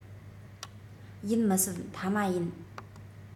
ཡིན མི སྲིད མཐའ མ ཡིན